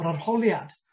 yr arholiad.